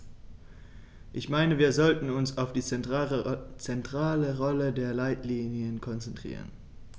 Ich meine, wir sollten uns auf die zentrale Rolle der Leitlinien konzentrieren.